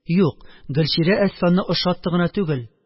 Юк, Гөлчирә Әсфанны ошатты гына түгел,